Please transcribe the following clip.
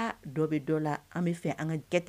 Aa dɔ bi dɔ la, an bɛ fɛ ka deg